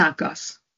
Nagos.